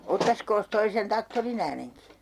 ottaisikos tuo sen traktorin äänenkin